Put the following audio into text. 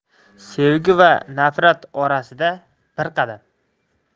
sevgi va nafrat orasi bir qadam